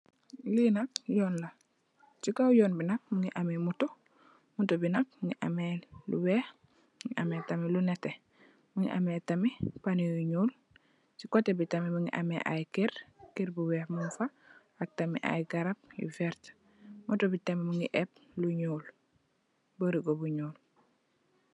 Li nak Yoon la ci kaw yoon bi mugii ameh moto. Moto bi nak mugii ameh lu wèèx mugii ameh tamit lu netteh, mugii ameh tamit ponu yu ñuul ci koteh bi tam mugii ameh ay kèr, kèr bu wèèx mung fa ak tamit ay garap yu werta. Motto bi tamit mugii ép lu ñuul barigo bu ñuul.